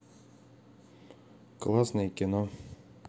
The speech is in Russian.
классное кино